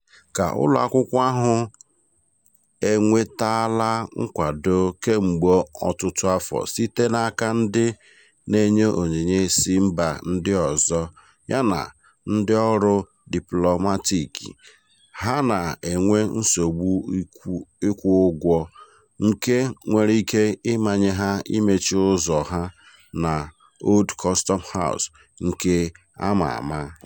Ka ụlọakwụkwọ ahụ enwetaala nkwado kemgbe ọtụtụ afọ site n'aka ndị na-enye onyinye si mba ndị ọzọ yana ndị ọrụ diplọmatiiki, ha na-enwe nsogbu ịkwụ ụgwọ nke nwere ike ịmanye ha imechi ụzọ ha na Old Customs House nke a ma ama.